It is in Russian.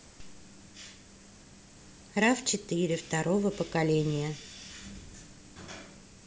рав четыре второго поколения